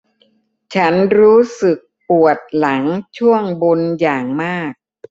ฉันรู้สึกปวดหลังช่วงบนอย่างมาก